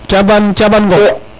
Thiaban Thiaban Ngom